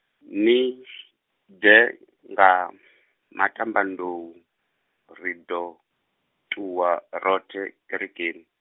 ni, ḓe, nga, maṱambanḓou, ri ḓo, ṱuwa, roṱhe, kerekeni.